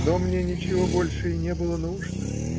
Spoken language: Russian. Но мне ничего больше и не было нужно.